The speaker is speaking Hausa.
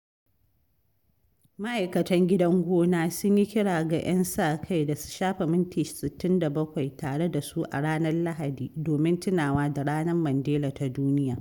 Ma'aikatan gidan gona sun yi kira ga 'yan sa-kai da su shafe minti 67 tare da su a ranar Lahadi, domin tunawa da Ranar Mandela ta Duniya.